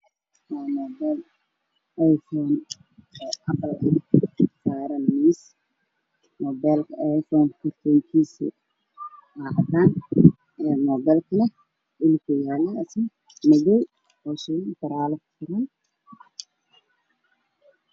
Warmo beel iphone ah mobeelku wuxuu dul saaran yahay miis cadaan ah moobeelka galkiisu waa gaduud